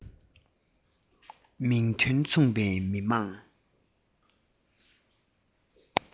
མིང དོན མཚུངས པའི མི དམངས